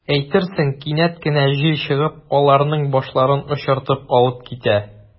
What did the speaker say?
Әйтерсең, кинәт кенә җил чыгып, аларның “башларын” очыртып алып китә.